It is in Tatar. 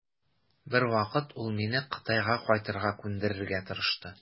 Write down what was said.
Бер вакыт ул мине Кытайга кайтырга күндерергә тырышты.